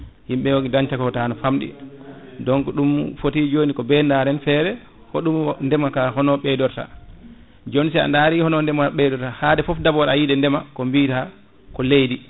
yimɓe ko dañta o saaha ne famɗi donc ɗum foti joni ko bey daaren feere hoɗum ndeemaka hono ɓeydorta joni sa dari hono ndeema ɓeydata hade foof d' abord ayi ɗe ndeema ko bita ko leydi